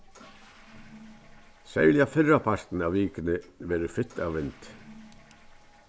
serliga fyrrapartin av vikuni verður fitt av vindi